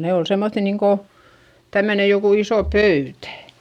ne oli semmoisia niin kuin tämmöinen joku iso pöytä